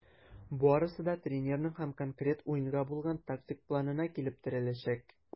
Барысы да тренерның һәр конкрет уенга булган тактик планына килеп терәләчәк.